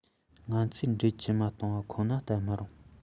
ང ཚོའི འགྲོས ཇེ དམའ སྟོང བ ཁོ ན བརྟེན མི རུང